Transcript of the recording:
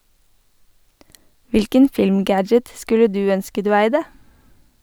Hvilken film-gadget skulle du ønske du eide?